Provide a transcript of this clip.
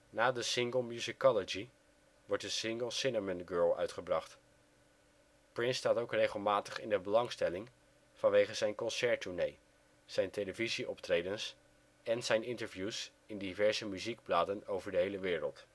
Na de single Musicology wordt de single Cinnamon Girl uitgebracht. Prince staat ook regelmatig in de belangstelling vanwege zijn concerttournee, zijn televisieoptredens en zijn interviews in diverse muziekbladen over de hele wereld